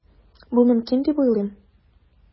Бу мөмкин дип уйлыйм.